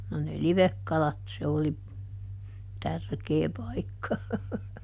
no ne livekalat se oli tärkeä paikka